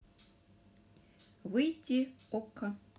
выйди окко